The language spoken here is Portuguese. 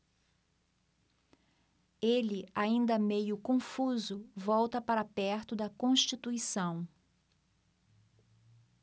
ele ainda meio confuso volta para perto de constituição